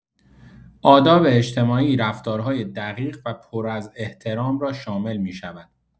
آداب اجتماعی رفتارهایی دقیق و پر از احترام را شامل می‌شود.